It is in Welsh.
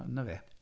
Ond 'na fe.